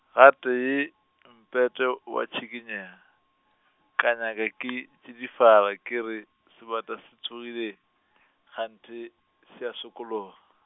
gatee, Mpete wa tsikinyega , ka nyaka ke tšidifala ke re sebata se tsogile , kganthe se a sokologa.